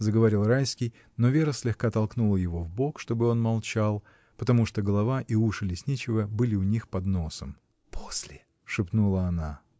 — заговорил Райский, но Вера слегка толкнула его в бок, чтобы он молчал, потому что голова и уши лесничего были у них под носом. — После! — шепнула она.